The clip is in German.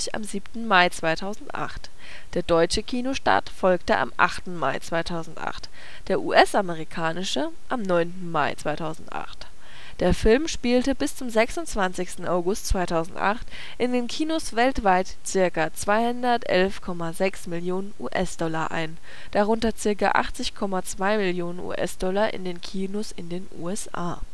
am 7. Mai 2008. Der deutsche Kinostart folgte am 8. Mai 2008, der US-amerikanische – am 9. Mai 2008. Der Film spielte bis zum 26. August 2008 in den Kinos weltweit ca. 211,6 Millionen US-Dollar ein, darunter ca. 80,2 Millionen US-Dollar in den Kinos der USA